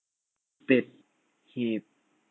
ปิดหีบ